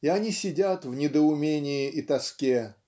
И они сидят в недоумении и тоске